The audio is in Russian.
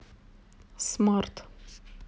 smart